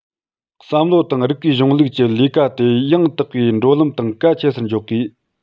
བསམ བློ དང རིགས པའི གཞུང ལུགས ཀྱི ལས ཀ དེ ཡང དག པའི འགྲོ ལམ དང གལ ཆེ སར འཇོག དགོས